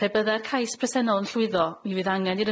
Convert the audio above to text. Pe bydde'r cais presennol yn llwyddo mi fydd angen i'r